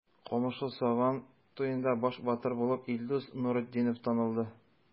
Камышлы Сабан туенда баш батыр булып Илдус Нуретдинов танылды.